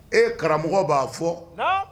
E karamɔgɔ b'a fɔ, naamu